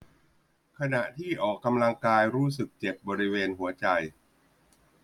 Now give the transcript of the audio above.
ขณะที่ออกกำลังกายรู้สึกเจ็บบริเวณหัวใจ